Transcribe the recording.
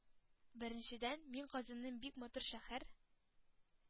Беренчедән, мин Казанны бик матур шәһәр